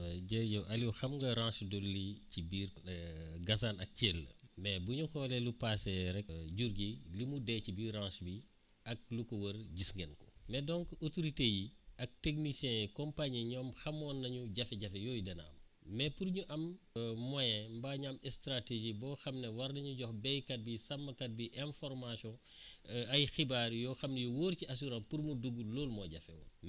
jërëjëf Aliou xam nga Ranch Doli ci biir Gassane ak Thièl la mais bu ñu xoolee lu paase rek jur gi li mu dee ci biir Ranch bi ak lu ko wër gis ngeen ko mais donc autorités yi ak techniciens yi compagnie ñoom xamoon nañu jafe-jafe yooyu dana am mais pour ñu am moyen mbaa ñu am stratégie ba nga xam ne war nañu jox béykat bi sàmmkat bi information ay xibaar yoo xam ne yu wóor ci assurance pour mu dugg loolu moo jafe woon